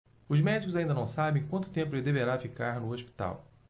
os médicos ainda não sabem quanto tempo ele deverá ficar no hospital